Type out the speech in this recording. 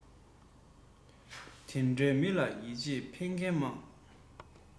དམའ ས བཟུང བའི མི ལ དགའ མཁན མང